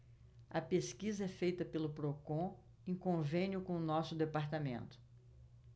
a pesquisa é feita pelo procon em convênio com o diese